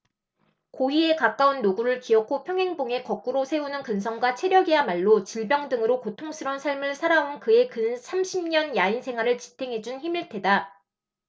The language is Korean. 고희에 가까운 노구를 기어코 평행봉에 거꾸로 세우는 근성과 체력이야말로 질병 등으로 고통스런 삶을 살아온 그의 근 삼십 년 야인 생활을 지탱해준 힘일 테다